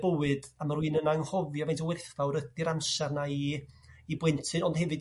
bywyd a ma' rywun yn anghofio faint o werthfawr ydi'r amsar 'na i i blentyn ond hefyd